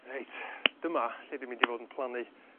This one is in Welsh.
Reit dyma lle dwi mynd i fod yn plannu